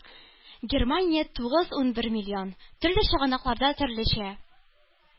Германия – тугыз-унбер миллион төрле чыганакларда төрлечә